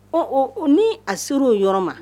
Ɔ ni a sera o yɔrɔ ma